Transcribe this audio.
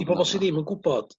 i bobol su ddim yn gwbod